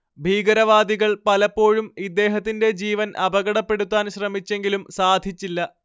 ഭീകരവാദികൾ പലപ്പോഴും ഇദ്ദേഹത്തിന്റെ ജീവൻ അപകടപ്പെടുത്താൻ ശ്രമിച്ചെങ്കിലും സാധിച്ചില്ല